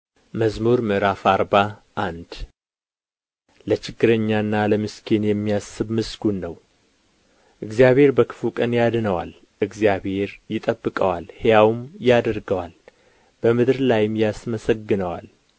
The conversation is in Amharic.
መዝሙር ምዕራፍ አርባ አንድ ለችግረኛና ለምስኪን የሚያስብ ምስጉን ነው እግዚአብሔር በክፉ ቀን ያድነዋል እግዚአብሔር ይጠብቀዋል ሕያውም ያደርገዋል በምድር ላይም ያስመሰግነዋል